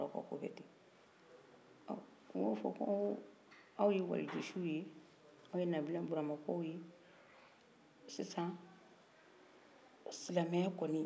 ɔn u ma fɔ ko aw ye waliju siw ye aw ye nabila buruhima kɔw ye sisan silamɛya kɔnin mɔgɔ te na fɛn fɔ aw y'a la